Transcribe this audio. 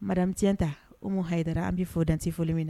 Madame Tienta Umu Ayidara an b'i fo dan tɛ foli min na.